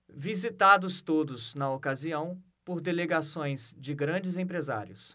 visitados todos na ocasião por delegações de grandes empresários